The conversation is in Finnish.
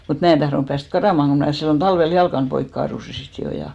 mutta minä en tahtonut päästä karkaamaan kun minä silloin talvella jalkani poikki kaaduin sitten jo ja